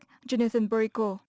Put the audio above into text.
gi ne sờn vơ ni cồ